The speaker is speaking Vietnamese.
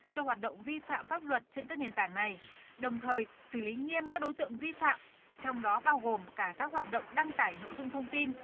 cho hoạt động vi phạm pháp luật trên các nền tảng này đồng thời xử lý nghiêm các đối tượng vi phạm trong đó bao gồm cả các hoạt động đăng tải nội dung thông tin